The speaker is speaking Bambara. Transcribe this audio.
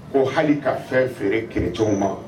Ko hali ka fɛn feere kerecɛnw ma